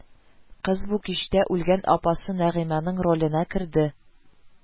Кыз бу кичтә үлгән апасы Нәгыймәнең роленә керде